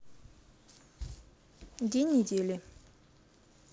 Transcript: день недели